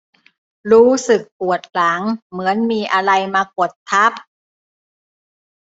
รู้สึกปวดหลังเหมือนมีอะไรมากดทับ